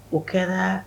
O kɛra